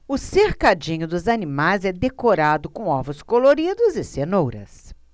o cercadinho dos animais é decorado com ovos coloridos e cenouras